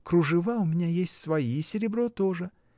Кружева у меня есть свои, и серебро тоже!